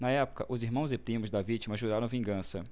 na época os irmãos e primos da vítima juraram vingança